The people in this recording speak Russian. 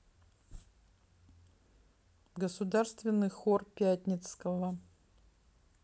государственный хор пятницкого